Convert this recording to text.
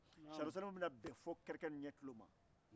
ni a ye a ye cogo ɲuman kan